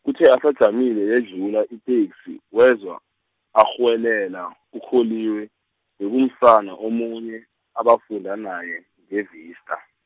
kuthe asajamile yadlula iteksi wezwa, arhuwelela uKholiwe, bekumsana omunye abafunda naye ngeVista.